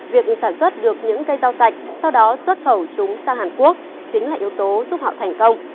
việc sản xuất được những cây rau sạch sau đó xuất khẩu chúng sang hàn quốc chính là yếu tố giúp họ thành công